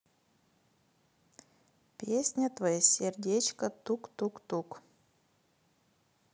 песня твое сердечко тук тук тук